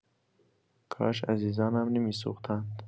کاش عزیزانم نمی‌سوختند.